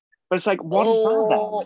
But it's like what's that then?